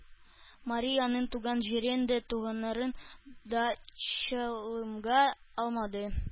Мария аның туган җирен дә, туганнарын да чалымга алмады.